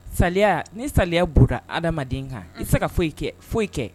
Sa ni saya bda adamadamaden kan i se ka foyi kɛ foyi kɛ